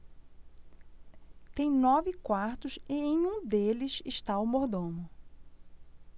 tem nove quartos e em um deles está o mordomo